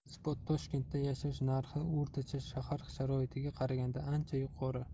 spottoshkentda yashash narxi o'rtacha shahar sharoitiga qaraganda ancha yuqori